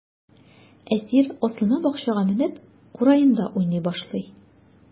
Әсир асылма бакчага менеп, кураенда уйный башлый.